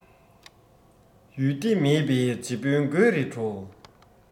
ཡུལ སྡེ མེད པའི རྗེ དཔོན དགོད རེ བྲོ